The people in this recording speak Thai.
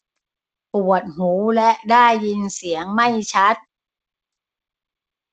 ปวดหูและได้ยินเสียงไม่ชัด